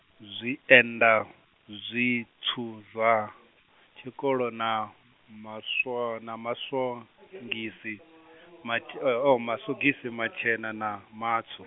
zwienda, zwitswu zwa, tshikolo na maswa na maswogisi, matsh-, oh, masogisi matshena na matswu.